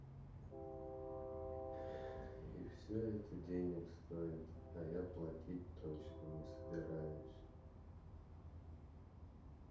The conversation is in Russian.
и все это денег стоит а я платить точно не собираюсь